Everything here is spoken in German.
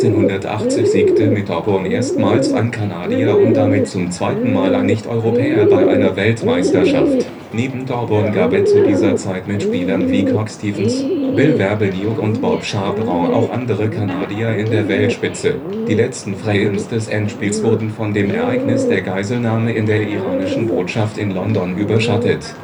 1980 siegte mit Thorburn erstmals ein Kanadier und damit zum zweiten Mal ein Nicht-Europäer bei einer Weltmeisterschaft. Neben Thorburn gab es zu dieser Zeit mit Spielern wie Kirk Stevens, Bill Werbeniuk und Bob Chaperon auch andere Kanadier in der Weltspitze. Die letzten Frames des Endspiels wurden von dem Ereignis der Geiselnahme in der Iranischen Botschaft in London überschattet